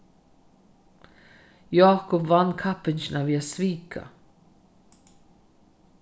jákup vann kappingina við at svika